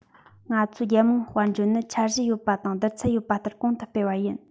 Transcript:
ང ཚོའི རྒྱལ དམངས དཔལ འབྱོར ནི འཆར གཞི ཡོད པ དང བསྡུར ཚད ཡོད པ ལྟར གོང དུ སྤེལ བ ཡིན